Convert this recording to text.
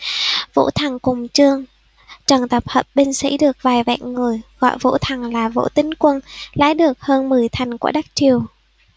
vũ thần cùng trương trần tập hợp binh sĩ được vài vạn người gọi vũ thần là vũ tín quân lấy được hơn mười thành của đất triệu